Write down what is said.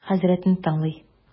Хәзрәтне тыңлый.